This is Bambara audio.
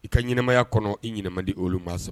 I ka ɲɛnamaya kɔnɔ i ɲinman di olu maa saba